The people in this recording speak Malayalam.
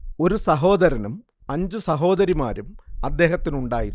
ഒരു സഹോദരനും അഞ്ചു സഹോദരിമാരും അദ്ദേഹത്തിനുണ്ടായിരുന്നു